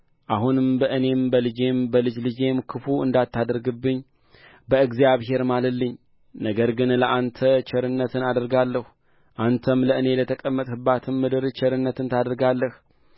አሁንም በእኔም በልጄም በልጅ ልጄም ክፉ እንዳታደርግብኝ በእግዚአብሔር ማልልኝ ነገር ግን ለአንተ ቸርነትን እንዳደረግሁ አንተም ለእኔ ለተቀመጥህባትም ምድር ቸርነትን ታደርጋለህ